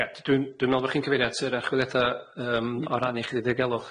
Ie d- dwi'n dwi'n me'wl bo' chi'n cyfeiro at yr archwiliad yym o ran iechyd a diogelwch?